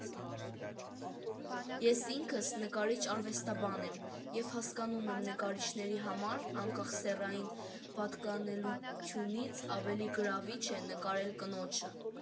Ես ինքս նկարիչ֊արվեստաբան եմ, և հասկանում եմ նկարիչների համար, անկախ սեռային պատկանելությունից, ավելի գրավիչ է նկարել կնոջը։